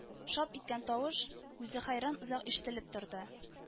Шап иткән тавыш үзе хәйран озак ишетелеп торды